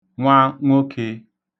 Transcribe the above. nwa nwokē